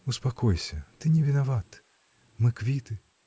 Успокойся, ты не виноват: мы квиты.